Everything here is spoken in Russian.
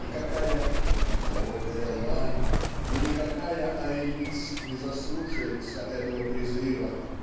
и какая "тихоокая лань" или какая Аэлис не заслушается этого призыва